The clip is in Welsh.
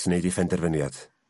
neud 'i phenderfyniad.